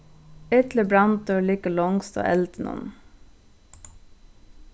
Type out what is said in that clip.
illur brandur liggur longst á eldinum